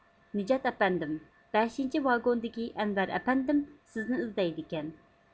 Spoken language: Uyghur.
نىجات ئەپەندىم بەشىنچى ۋاگوندىكى ئەنۋەر ئەپەندىم سىزنى ئىزدەيدىكەن